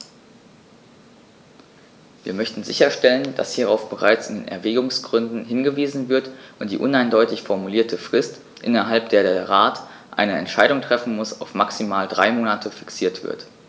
Wir möchten sicherstellen, dass hierauf bereits in den Erwägungsgründen hingewiesen wird und die uneindeutig formulierte Frist, innerhalb der der Rat eine Entscheidung treffen muss, auf maximal drei Monate fixiert wird.